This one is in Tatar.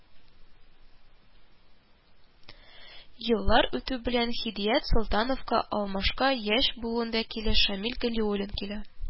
Еллар үтү белән Һидият Солтановка алмашка яшь буын вәкиле Шамил Галиуллин килә